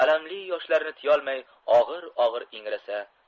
alamli yoshlarini tiyolmay og'ir og'ir ingrasa